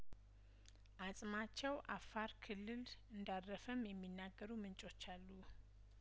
አጽማቸው አፋር ክልል እንዳረፈም የሚናገሩምንጮች አሉ